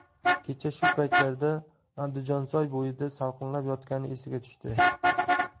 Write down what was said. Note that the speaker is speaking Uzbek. kecha shu paytlarda andijonsoy bo'yida salqinlab yotgani esiga tushdi